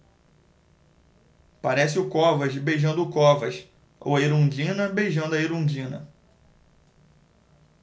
parece o covas beijando o covas ou a erundina beijando a erundina